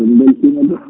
min mbeltiima de